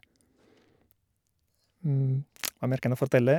Hva mer kan jeg fortelle?